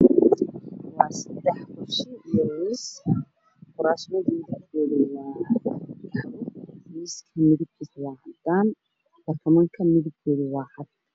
Waa saddex kursi iyo miis kuraasta midabkoodu waa cadaan